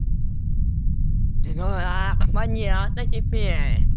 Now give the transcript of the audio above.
ты дурак понятно теперь